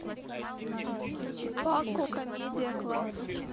пако камеди клаб